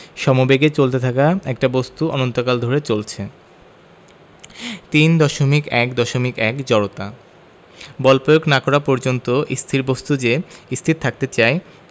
সমবেগে চলতে থাকা একটা বস্তু অনন্তকাল ধরে চলছে 3.1.1 জড়তা বল প্রয়োগ না করা পর্যন্ত স্থির বস্তু যে স্থির থাকতে চায়